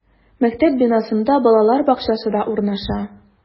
Мәктәп бинасында балалар бакчасы да урнаша.